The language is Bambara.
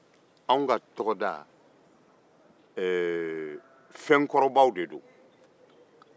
anw ka tɔgɔda ye fɛn kɔrɔbaw ye